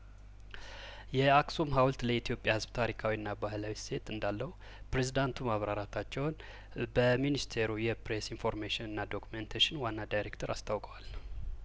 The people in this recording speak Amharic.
የአክሱም ሀውልት ለኢትዮጵያ ህዝብ ታሪካዊና ባህላዊ እሴት እንዳለው ፕሬዚዳንቱ ማብራራታቸውን በሚኒስቴሩ የፕሬስ ኢንፎርሜሽንና ዶኩመንቴሽን ዋና ዳይሬ ክቶሬት አስታውቋል